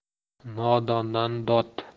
nodondan dod